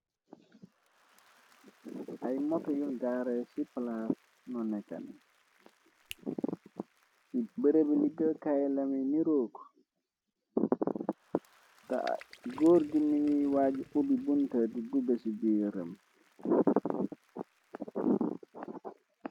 Ay moto ño gaare ci palas no nèkka ni bërebi ligéeyi Kay lami nirook te gór gi mi ngi waaja ubi bunta bi duga ci bi ram.